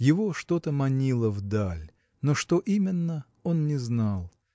Его что-то манило вдаль, но что именно – он не знал.